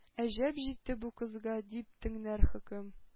«әҗәл җитте бу кызга!»— дип, тәңре хөкем